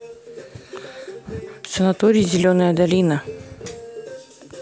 санаторий зеленая долина